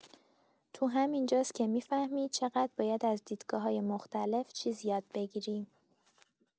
تو همین جاست که می‌فهمی چقدر باید از دیدگاه‌های مختلف چیز یاد بگیری.